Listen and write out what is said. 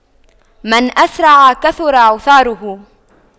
من أسرع كثر عثاره